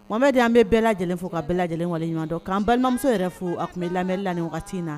Wamɛ de an bɛ bɛɛ lajɛlen fo ka bɛɛ lajɛlen wale ɲɔgɔn k'an balimamuso yɛrɛ fo a tun bɛ lamɛnrila ni wagati na